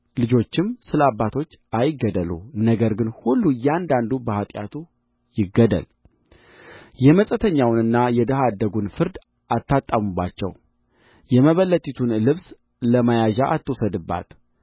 ልጆችም ስለ አባቶች አይገደሉ ነገር ግን ሁሉ እያንዳንዱ በኃጢአቱ ይገደል የመጻተኛውንና የድሀ አደጉን ፍርድ አታጣምምባቸው የመበለቲቱን ልብስ ለመያዣ አትውሰድባት